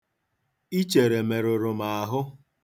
Ichere merụrụ m ahụ.